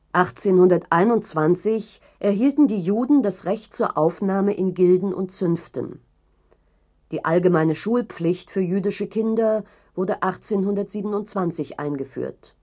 1821 erhielten die Juden das Recht zur Aufnahme in Gilden und Zünften. Die allgemeine Schulpflicht für jüdische Kinder wurde 1827 eingeführt